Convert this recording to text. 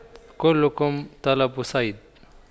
كلكم طلب صيد